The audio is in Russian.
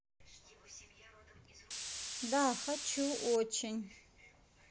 да хочу очень